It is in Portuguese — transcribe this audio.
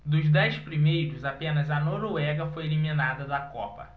dos dez primeiros apenas a noruega foi eliminada da copa